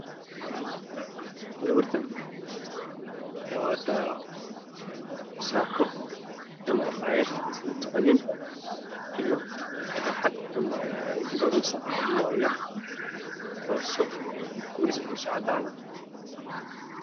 Gabadhaan waxey wadataa saako